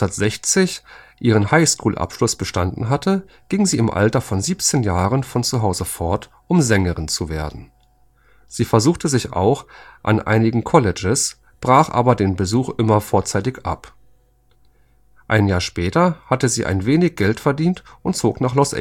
1960 ihren High-School Abschluss bestanden hatte, ging sie im Alter von 17 Jahren von zu Hause fort, um Sängerin zu werden. Sie versuchte sich auch an einigen Colleges, brach aber den Besuch immer vorzeitig ab. Ein Jahr später hatte sie ein wenig Geld verdient und zog nach Los